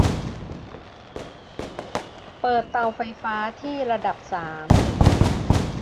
เปิดเตาไฟฟ้าที่ระดับสาม